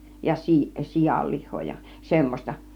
ja -- sianlihaa ja semmoista